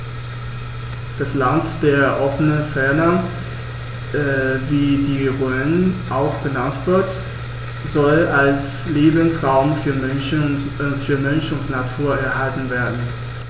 Das „Land der offenen Fernen“, wie die Rhön auch genannt wird, soll als Lebensraum für Mensch und Natur erhalten werden.